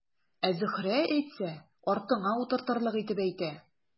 Ә Зөһрә әйтсә, артыңа утыртырлык итеп әйтә.